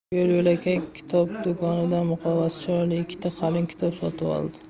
yo'l yo'lakay kitob do'konidan muqovasi chiroyli ikkita qalin kitob sotib oldi